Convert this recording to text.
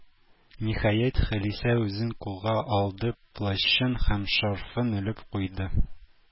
Ниһәят, Халисә үзен кулга алды, плащын һәм шарфын элеп куйды.